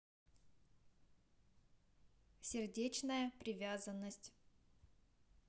сердечная привязанность